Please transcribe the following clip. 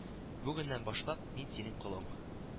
Бүгеннән башлап - мин синең колың